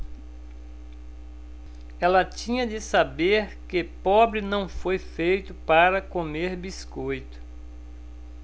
ela tinha de saber que pobre não foi feito para comer biscoito